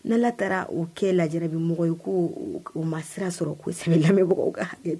N' taara u kɛ lajɛ bɛ mɔgɔ ye ko u ma siran sɔrɔ ko sɛbɛn bɛbagaw kan